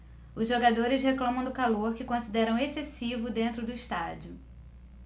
os jogadores reclamam do calor que consideram excessivo dentro do estádio